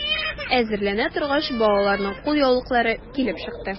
Эзләнә торгач, балаларның кулъяулыклары килеп чыкты.